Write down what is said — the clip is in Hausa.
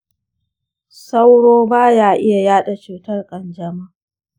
sauro baya iya yaɗa cutar ƙanjamau.